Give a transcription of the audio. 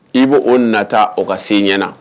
I b'o o nata o ka se ɲɛna.